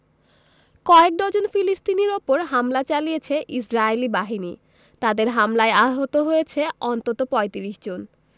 কয়েক ডজন ফিলিস্তিনির ওপর হামলা চালিয়েছে ইসরাইলি বাহিনী তাদের হামলায় আহত হয়েছেন অন্তত ৩৫ জন